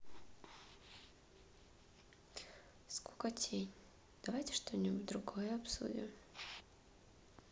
скукотень давайте что нибудь другое обсудим